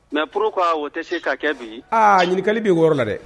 Mɛ porour o tɛ se ka kɛ bi aa ɲininkali bɛ wɔɔrɔ la dɛ